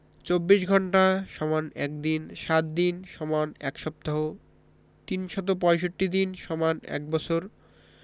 ২৪ ঘন্টা = ১ দিন ৭ দিন = ১ সপ্তাহ ৩৬৫ দিন = ১বছর